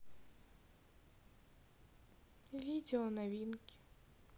видео новинки